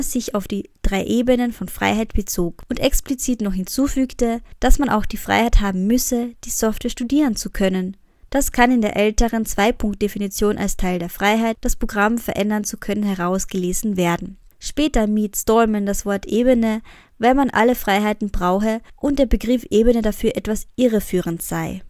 sich auf die „ drei Ebenen von Freiheit “bezog und explizit noch hinzufügte, dass man auch die Freiheit haben müsse, die Software studieren zu können. Das kann in der älteren Zweipunktedefinition als Teil der Freiheit, das Programm verändern zu können, herausgelesen werden. Später mied Stallman das Word Ebene, weil man alle Freiheiten brauche und der Begriff Ebene dafür etwas irreführend sei